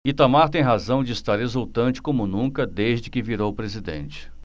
itamar tem razão de estar exultante como nunca desde que virou presidente